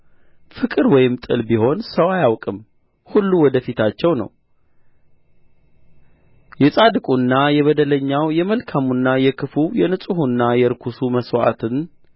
ፍቅር ወይም ጥል ቢሆን ሰው አያውቅም ሁሉ ወደ ፊታቸው ነው የጻድቁና የበደለኛው የመልካሙና የክፉው የንጹሑና የርኩሱ መሥዋዕትን